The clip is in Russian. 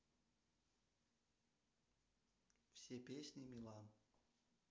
все песни милан